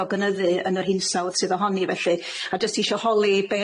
o gynyddu yn yr hinsawdd sydd ohoni felly a jyst isho holi be'